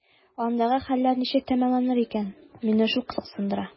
Андагы хәлләр ничек тәмамланыр икән – мине шул кызыксындыра.